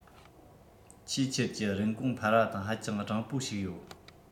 ཆེས ཆེར ཀྱི རིན གོང འཕར བ དང ཧ ཅང རིང པོ ཞིག ཡོད